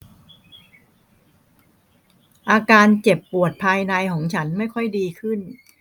อาการเจ็บปวดภายในของฉันไม่ค่อยดีขึ้น